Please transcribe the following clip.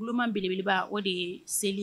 Kuman belebeleba o de ye seli